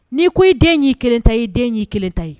N'i ko i den y'i kelen ta ye, i den y'i kelen ta ye.